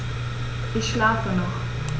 Ich schlafe noch.